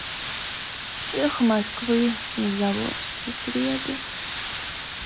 эхо москвы невзоровские среды